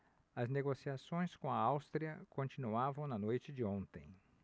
as negociações com a áustria continuavam na noite de ontem